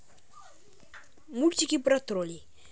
мультики про троллей